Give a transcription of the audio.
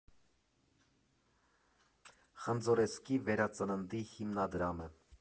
Խնձորեսկի վերածննդի հիմնադրամը։